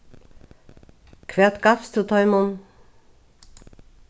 hvat gavst tú teimum